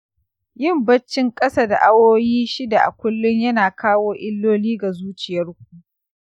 yin baccin ƙasa da awowi shida a kullum ya na kawo illoli ga zuciyarku